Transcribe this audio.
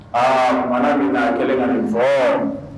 A tumana min na a kɛlen ka nin fɔ